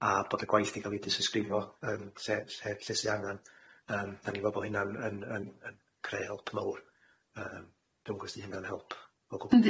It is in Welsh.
a bod y gwaith 'di ga'l i dystysgrifo yym lle lle lle sy angan yym 'dan ni'n me'wl bo' hynna'n yn yn yn creu help mowr yym dwi'm gw' os di hynna'n help o gwbwl.